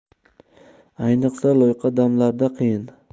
ayniqsa loyqa damlarda qiyin